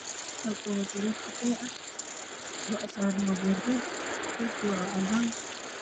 Waa sariir qaxwi ah waxaa saaran joodar iyo go meeri ah